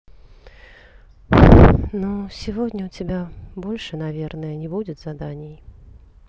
ну сегодня у тебя больше наверное не будет заданий